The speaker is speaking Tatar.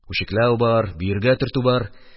Үчекләү бар, бөергә төртү бар